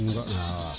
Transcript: ŋo wawaw